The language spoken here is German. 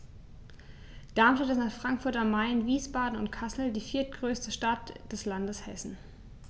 Darmstadt ist nach Frankfurt am Main, Wiesbaden und Kassel die viertgrößte Stadt des Landes Hessen